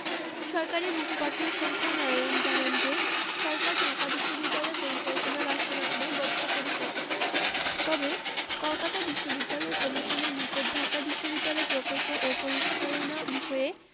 সরকারি মুখপাত্র শঙ্কর নারায়ণ জানান যে সরকার ঢাকা বিশ্ববিদ্যালয় পরিকল্পনা বাস্তবায়নে বদ্ধপরিকর তবে কলকাতা বিশ্ববিদ্যালয় কমিশনের নিকট ঢাকা বিশ্ববিদ্যালয় প্রকল্প ও পরিচালনা বিষয়ে